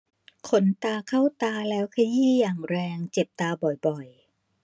ขนตาเข้าตาแล้วขยี้อย่างแรงเจ็บตาบ่อยบ่อย